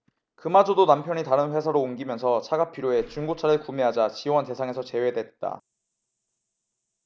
그마저도 남편이 다른 회사로 옮기면서 차가 필요해 중고차를 구매하자 지원대상에서 제외됐다